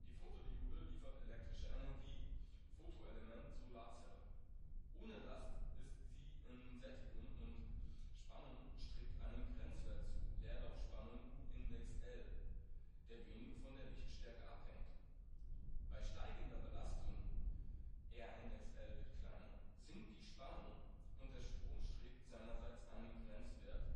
Photodiode liefert elektrische Energie (Photoelement, Solarzelle). Ohne Last ist sie in Sättigung, und die Spannung strebt einem Grenzwert zu (Leerlaufspannung UL), der wenig von der Lichtstärke abhängt. Bei steigender Belastung (RL wird kleiner) sinkt die Spannung, und der Strom strebt seinerseits einem Grenzwert